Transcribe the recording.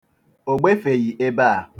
O gbefeghị ebe a.